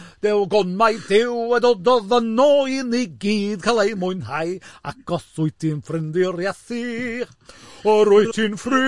Duw a dododd yno i ni gyd cael ei mwynhau ac os wyt ti'n ffrind i'r Iesu, rwyt ti'n ffrind i mi!